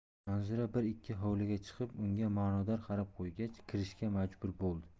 manzura bir ikki hovliga chiqib unga ma'nodor qarab qo'ygach kirishga majbur bo'ldi